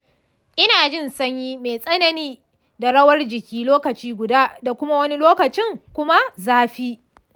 ina jin sanyi mai tsanani da rawar jiki lokaci guda kuma wani lokacin kuma zafi.